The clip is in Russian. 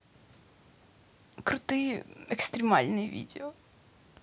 крутые экстремальные видео